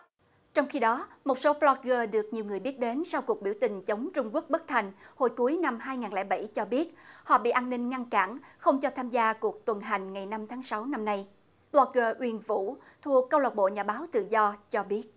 trong khi đó một số bờ loóc gơ được nhiều người biết đến sau cuộc biểu tình chống trung quốc bất thành hồi cuối năm hai ngàn lẻ bảy cho biết họ bị an ninh ngăn cản không cho tham gia cuộc tuần hành ngày năm tháng sáu năm nay bờ loóc gơ uyên vũ thuộc câu lạc bộ nhà báo tự do cho biết